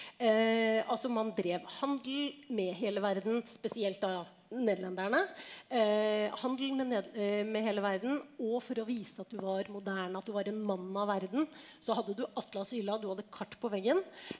altså man drev handel med hele verden spesielt da nederlenderne handelen med med hele verden og for å vise at du var moderne, at du var en mann av verden så hadde du atlashylla du hadde kart på veggen.